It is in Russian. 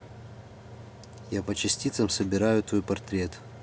я по частицам собираю твой портрет